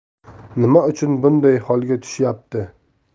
nima uchun bunday holga tushyapti